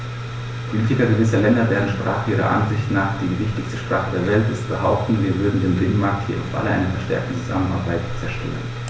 Politiker gewisser Länder, deren Sprache ihrer Ansicht nach die wichtigste Sprache der Welt ist, behaupten, wir würden den Binnenmarkt hier im Falle einer verstärkten Zusammenarbeit zerstören.